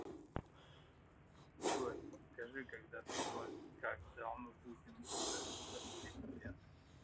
джой скажи когда толькогда мы будем уже штукатурить стены